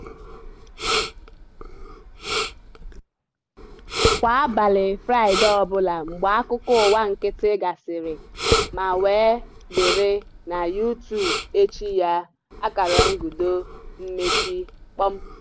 Kwa abalị Fraịdei ọbụla mgbe akụkọ ụwa nkịtị gasịrị, ma wee dịrị na YouTube echi ya).